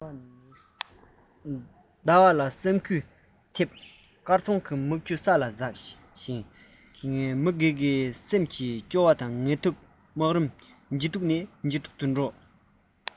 ཟླ བ ལ སེམས འགུལ ཐེབས དཀར གཙང གི མིག ཆུ ས ལ ཟགས བཞིན འདུག འགའི སེམས ཀྱི སྐྱོ བ དང ངལ དུབ སྨག རུམ ཇེ མཐུག ནས ཇེ མཐུག ཏུ འགྲོ པཎ ཆེན སྨྲི ཏིའི རི བོང འཛིན པ རྒྱུ སྐར ཕྲེང བ ཅན